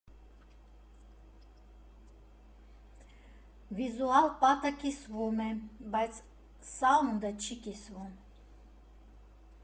Վիզուալ պատը կիսվում է, բայց սաունդը չի կիսվում.